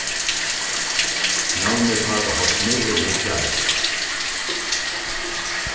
navnið káta hornið er nýggjari